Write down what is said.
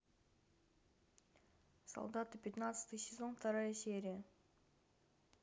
солдаты пятнадцатый сезон вторая серия